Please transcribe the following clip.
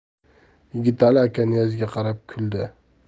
yigitali aka niyozga qarab kuldi